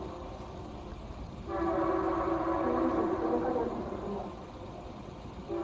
не вижу ты мне коленку закрыла